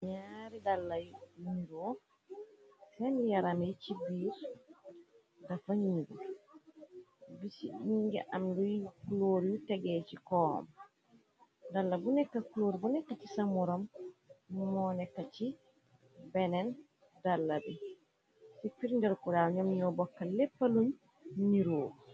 ñaari dalla yniroo seen yaram yi ci biir dafa ñugu bici yi nga am luy klóor yu tegee ci koom dalla bu nekka kloor bu nekk ci samoram moo nekka ci beneen dalla bi ci pirndelpulaaw ñam ñoo bokka leppaluñ niroo